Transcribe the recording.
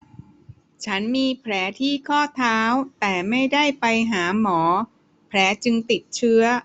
ฉันมีแผลที่ข้อเท้าแต่ไม่ได้ไปหาหมอแผลจึงติดเชื้อ